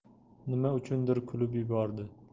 nima uchundir kulib yubordi